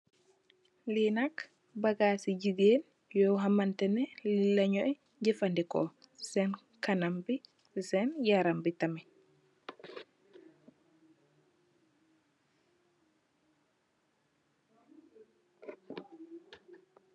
Lii nak bagassi gigain yor hamanteh neh lii leh njoi jeufandehkor, cii sen kanam bii cii sen yaram bii tamit.